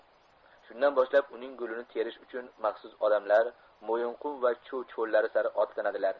shundan boshlab uning gulini terish uchun maxsus odamlar mo'yinqum va chu cho'llari sari otlanadilar